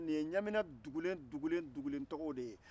nin ye ɲamina dugulen-dugulen tɔgɔw de ye